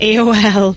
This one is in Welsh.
AOL!